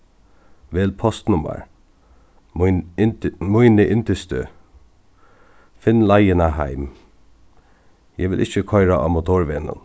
vel postnummar mín míni yndisstøð finn leiðina heim eg vil ikki koyra á motorvegnum